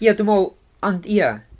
Ia dwi'n meddwl... Ond ia...